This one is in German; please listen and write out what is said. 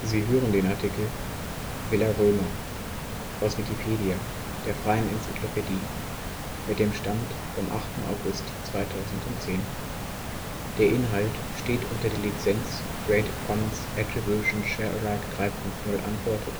Sie hören den Artikel Villa Römer, aus Wikipedia, der freien Enzyklopädie. Mit dem Stand vom Der Inhalt steht unter der Lizenz Creative Commons Attribution Share Alike 3 Punkt 0 Unported